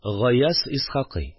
Гаяз Исхакый